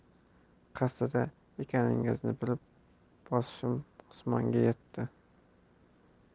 qasdida ekaningizni bilib boshim osmonga yetdi